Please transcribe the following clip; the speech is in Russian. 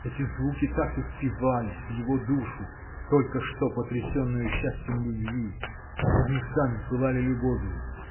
Эти звуки так и впивались в его душу, только что потрясенную счастьем любви они сами пылали любовью.